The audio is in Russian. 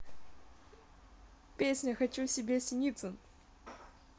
песня хочу себе синицын